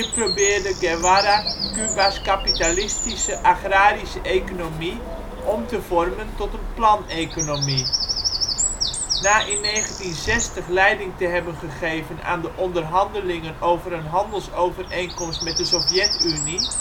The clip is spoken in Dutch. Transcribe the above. probeerde Guevara Cuba 's kapitalistische agrarische economie om te vormen tot een planeconomie. Na in 1960 leiding te hebben gegeven aan de onderhandelingen over een handelsovereenkomst met de Sovjet-Unie